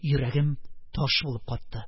Йөрәгем таш булып катты.